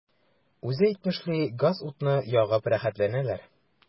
Үзе әйтмешли, газ-утны ягып “рәхәтләнәләр”.